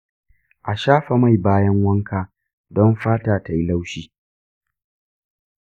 a shafa mai bayan wanka don fata ta yi laushi.